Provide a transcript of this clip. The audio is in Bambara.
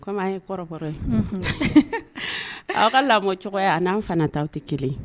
Komi an ye kɔrɔ kɔrɔ ye aw ka lamɔ cogoyaya ani n'an fana taa tɛ kelen